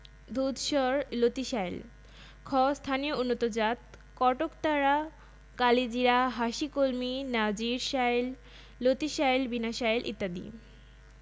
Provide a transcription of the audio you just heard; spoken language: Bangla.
3.2 পরমাণু বা এটম ও অণু বা মলিকিউলস পরমাণু হলো মৌলিক পদার্থের ক্ষুদ্রতম কণা যার মধ্যে মৌলের গুণাগুণ থাকে যেমন নাইট্রোজেনের পরমাণুতে নাইট্রোজেনের ধর্ম বিদ্যমান আর অক্সিজেনের পরমাণুতে অক্সিজেনের ধর্ম বিদ্যমান